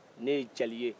ne ye jali ye